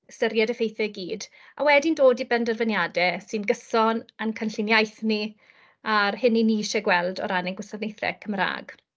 Ystyried y ffeithiau i gyd, a wedyn dod i benderfynniadau sy'n gyson â'n cynllun iaith ni, a'r hyn 'yn ni eisiau gweld o ran ein gwasanaethau Cymraeg.